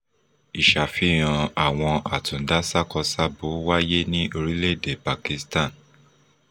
Ìṣàfihàn àwọn Àtúndásákosábo wáyé ní orílẹ̀-èdè Pakistan.